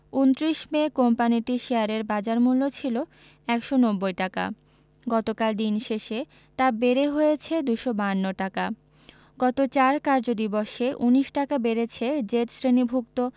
২৯ May কোম্পানিটির শেয়ারের বাজারমূল্য ছিল ১৯০ টাকা গতকাল দিন শেষে তা বেড়ে হয়েছে ২৫২ টাকা গত ৪ কার্যদিবসে ১৯ টাকা বেড়েছে জেড শ্রেণিভুক্ত